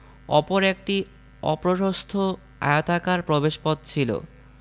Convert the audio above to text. অপর একটি অপ্রশস্ত আয়তাকার প্রবেশপথ ছিল